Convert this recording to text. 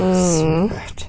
supert.